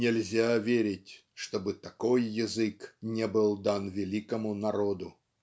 Нельзя верить, чтобы такой язык не был дан великому народу".